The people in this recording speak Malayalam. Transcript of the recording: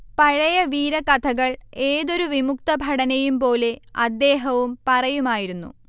പഴയ വീരകഥകൾ ഏതൊരു വിമുക്തഭടനെയുംപോലെ അദ്ദേഹവും പറയുമായിരുന്നു